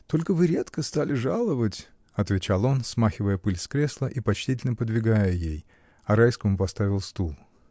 Только вы редко стали жаловать, — отвечал он, смахивая пыль с кресла и почтительно подвигая ей, а Райскому поставил стул.